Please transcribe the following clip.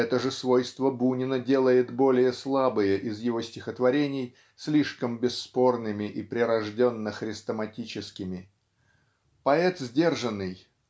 это же свойство Бунина делает более слабые из его стихотворений слишком бесспорными и прирожденно-хрестоматическими. Поэт сдержанный